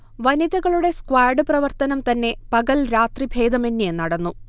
വനിതകളുടെ സ്ക്വാഡ് പ്രവർത്തനം തന്നെ പകൽരാത്രി ദേഭമേന്യേ നടന്നു